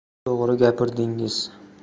to'g'ri gapirdingiz